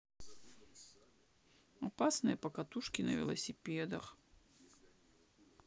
опасные покатушки на велосипедах